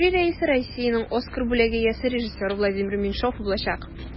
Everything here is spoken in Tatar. Жюри рәисе Россиянең Оскар бүләге иясе режиссер Владимир Меньшов булачак.